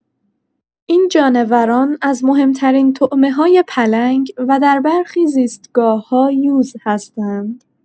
این جانوران از مهم‌ترین طعمه‌های پلنگ و در برخی زیستگاه‌ها یوز هستند.